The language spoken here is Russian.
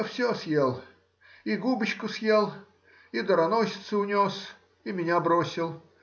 — Все съел, и губочку съел, и дароносицу унес, и меня бросил.